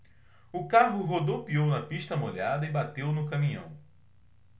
o carro rodopiou na pista molhada e bateu no caminhão